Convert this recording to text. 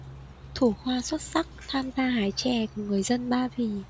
thủ khoa xuất sắc tham gia hái chè cùng người dân ba vì